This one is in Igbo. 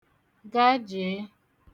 gàjee